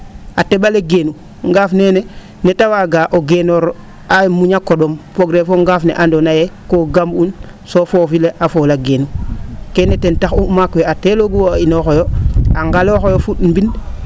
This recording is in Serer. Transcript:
a te? ale geenu ngaaf nene nee ta waaga o genoor a muñ a qo?om fogree fo ngaaf ne andoona yee ko gam'un so foofi le a fola geenu kene ten tax'u maak we a teeloogu a inooxoyo a ngalooxoyo fu? mbind